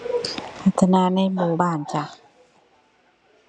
พัฒนาในหมู่บ้านจ้ะ